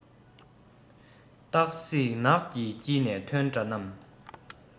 སྟག གཟིག ནགས ཀྱི དཀྱིལ ནས ཐོན འདྲ རྣམས